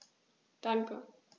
Danke.